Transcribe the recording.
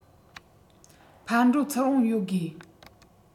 ཕར འགྲོ ཚུར འོང ཡོད དགོས